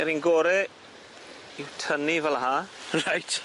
Yr un gore yw tynnu fel ha. Reit.